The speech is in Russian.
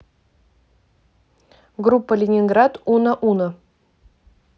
группа ленинград уно уно